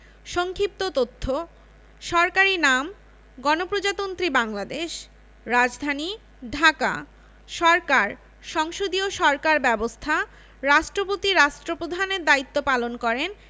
সংক্ষিপ্ত তথ্য সরকারি নামঃ গণপ্রজাতন্ত্রী বাংলাদেশ রাজধানীঃ ঢাকা সরকারঃ সংসদীয় সরকার ব্যবস্থা রাষ্ট্রপতি রাষ্ট্রপ্রধানের দায়িত্ব পালন করেন